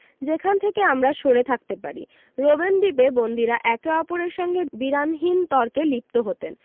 যেখান থেকে আমরা সরে থাকতে পারি রোবেন দ্বীপে বন্দীরা একে অপরের সঙ্গে বিরামহীন তর্কে লিপ্ত হতেন